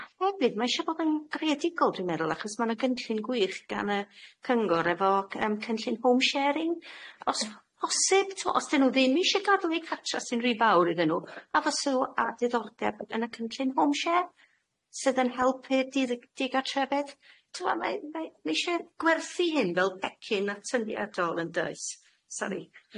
A hefyd ma' isie bod yn greadigol dwi'n meddwl achos ma' na gynllun gwych gan yy Cyngor efo c- yym cynllun homesharing, os posib t'mo' os dyn nw ddim isie gadw eu cartra sy'n rhy fawr iddyn nw a fysw a diddordeb yn y cynllun homeshare, sydd yn helpu didd- diga trefedd t'mo' mae mae nesie gwerthu hyn fel pecyn atyniadol yndoes? Sori.